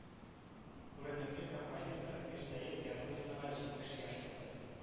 Күренекле композитор Мирсәет Яруллинга җитмеш яшь тулды